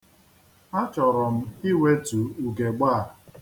Achọrọ m iwetu ugeegbe a.